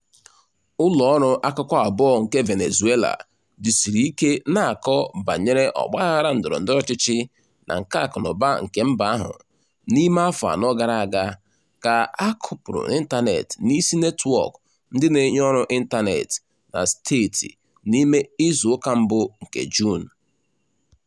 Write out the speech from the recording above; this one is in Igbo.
Ụlọọrụ akụkọ abụọ nke Venezuela jisiri ike na-akọ banyere ọgbaaghara ndọrọndọrọ ọchịchị na nke akụnaụba nke mba ahụ n'ime afọ anọ gara aga ka a kụpụrụ n'ịntanetị n'isi netwọk ndị na-enye ọrụ ịntanetị na steeti n'ime izuụka mbụ nke Juun.